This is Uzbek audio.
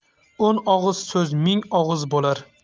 o'n og'iz so'z ming og'iz bo'lar